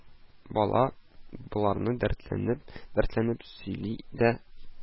Бала боларны дәртләнеп-дәртләнеп сөйли дә: